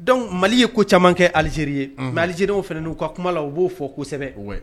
dɔnku mali ye ko caman kɛ alizeri ye mɛ alizew fana'u ka kuma la u b'o fɔ kosɛbɛ